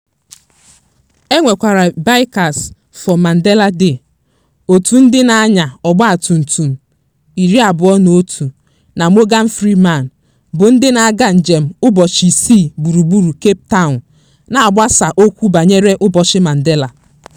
E nwekwara "Bikers for Mandela Day" - òtù ndị na-anya ọgbatumtum 21 (na Morgan Freeman) bụ ndị na-aga njem ụbọchị isii gburugburu Cape Town na-agbasa okwu banyere Ụbọchị Mandela.